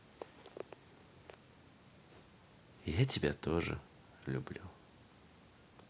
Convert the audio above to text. я тебя тоже люблю